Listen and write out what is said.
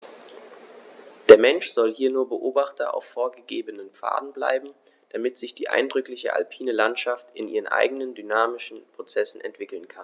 Der Mensch soll hier nur Beobachter auf vorgegebenen Pfaden bleiben, damit sich die eindrückliche alpine Landschaft in ihren eigenen dynamischen Prozessen entwickeln kann.